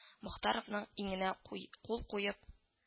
Мохтаровның иңенә куй кул куеп: